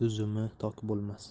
it uzumi tok bo'lmas